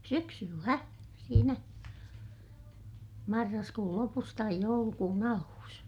syksyllä siinä marraskuun lopussa tai joulukuun alussa